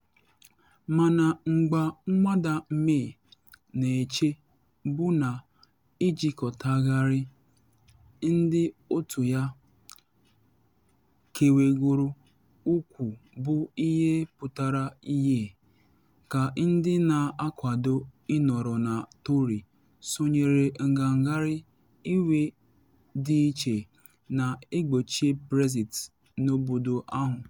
Mana mgba Nwada May na eche bụ na ijikọtagharị ndị otu ya kewagoro ukwuu bụ ihe pụtara ihie ka ndị na akwado Ịnọrọ Na Tory sonyere ngagharị iwe dị iche na egbochi Brexit n’obodo ahụ.